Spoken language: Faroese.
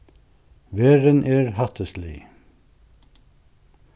verðin er hættislig